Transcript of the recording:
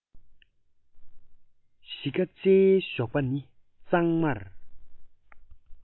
གཞིས ཀ རྩེའི ཞོགས པ ནི གཙང མར